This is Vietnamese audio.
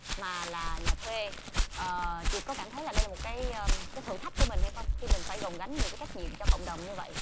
mà là nhà thuê ờ chị có cảm thấy đây là cái thử thách cho mình hay không khi mình phải gồng gánh nhiều cái trách nhiệm cho cộng đồng như vậy